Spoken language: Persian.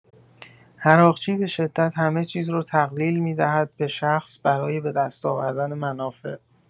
عراقچی به‌شدت همه چیز رو تقلیل می‌دهد به شخص برای به دست آوردن منافع.